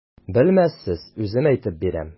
Белмәссез, үзем әйтеп бирәм.